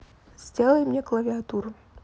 сделай мне клавиатуру